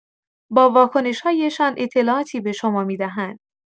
با واکنش‌هایشان اطلاعاتی به شما می‌دهند.